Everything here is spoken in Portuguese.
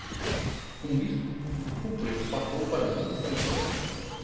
com isso o preço passou para vinte e cinco reais